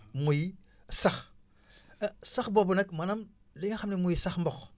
muy sax sax boobu nag maanaam li nga xam ne muy sax mboq